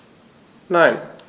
Nein.